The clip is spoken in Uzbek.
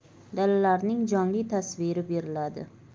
daralarning jonli tasviri beriladi